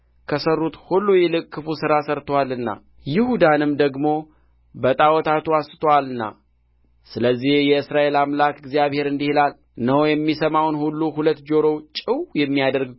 ከሠሩት ሁሉ ይልቅ ክፉ ሥራ ሠርቶአልና ይሁዳንም ደግሞ በጣዖታቱ አስቶአልና ስለዚህ የእስራኤል አምላክ እግዚአብሔር እንዲህ ይላል እነሆ የሚሰማውን ሁሉ ሁለቱ ጆሮቹ ጭው የሚያደርግ